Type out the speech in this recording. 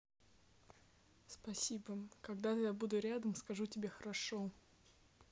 спасибо когда то я буду рядом скажу тебе хорошо